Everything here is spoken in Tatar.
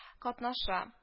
Катнаша